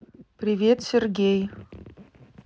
привет сергей